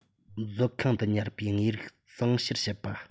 མཛོད ཁང དུ ཉར བའི དངོས རིགས གཙང བཤེར བྱེད པ